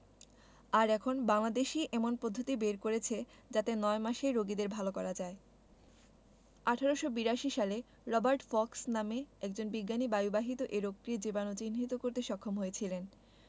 আর এখন বাংলাদেশই এমন পদ্ধতি বের করেছে যাতে ৯ মাসেই রোগীদের ভালো করা যায় ১৮৮২ সালে রবার্ট কক্স নামে একজন বিজ্ঞানী বায়ুবাহিত এ রোগটির জীবাণু চিহ্নিত করতে সক্ষম হয়েছিলেন